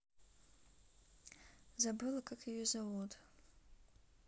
забыла как ее зовут